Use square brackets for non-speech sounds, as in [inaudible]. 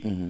[hesitation] [hesitation]